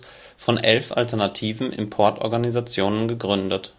von elf alternativen Importorganisationen gegründet